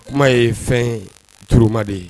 Kuma ye fɛn juruma de ye.